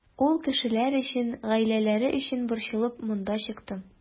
Ул кешеләр өчен, гаиләләре өчен борчылып монда чыктым.